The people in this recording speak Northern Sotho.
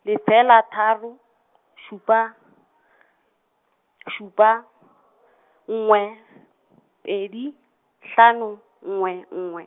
lefela tharo, šupa , šupa , nngwe, pedi, hlano nngwe nngwe.